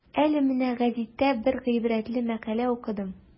Әле менә гәзиттә бер гыйбрәтле мәкалә укыдым.